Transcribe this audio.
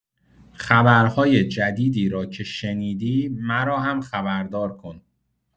خبرهای جدید را که شنیدی، مرا هم خبردار کن.